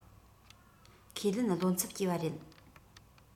ཁས ལེན བློ འཚབ སྐྱེ བ རེད